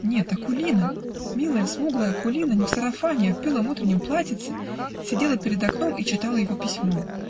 нет Акулина, милая смуглая Акулина, не в сарафане, а в белом утреннем платьице, сидела перед окном и читала его письмо